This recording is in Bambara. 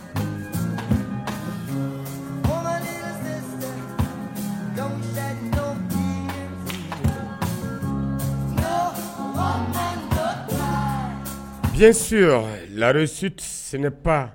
Bisi lasi tɛ sɛnɛba